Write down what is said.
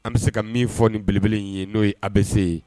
An bɛ se ka min fɔ nin belebele in ye n'o ye aw bɛ se ye